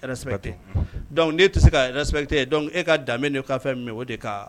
Sɛte dɔnku den tɛ se ka sɛ dɔnku e ka dan don' fɛ o de